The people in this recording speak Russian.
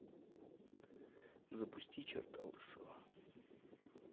запусти черта лысого